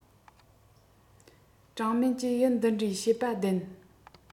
ཀྲང མན གྱིས གཡུ འདི འདྲའི བཤད པ བདེན